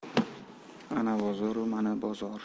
ana bozoru mana bozor